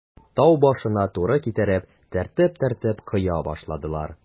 Тау башына туры китереп, төртеп-төртеп коя башладылар.